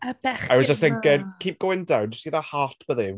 Y bechgyn ma'... I was just thinking, keep going down, do you see that heart by there?